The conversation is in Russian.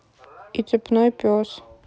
и цепной пес